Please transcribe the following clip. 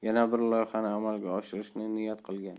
bir loyihani amalga oshirishni niyat qilgan